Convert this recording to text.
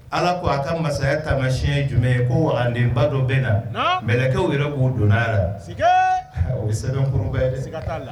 Ala k ko a ka mansaya taama siyɛn ye jumɛn ye ko anden badɔ bɛ na mɛkɛ yɛrɛ b'u donna la o sɛbɛnurun bɛɛ